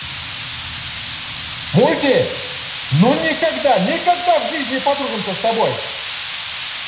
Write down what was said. multi ну никогда никогда в жизни подружимся с тобой